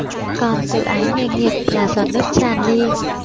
còn tự ái nghề nghiệp là giọt nước tràn ly